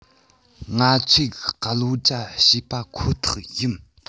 ང ཚོས གི བློ རྒྱ ཕྱེས པ ཁོ ཐག ཡིན